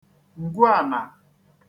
ngwuànà